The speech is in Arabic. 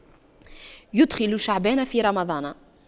يُدْخِلُ شعبان في رمضان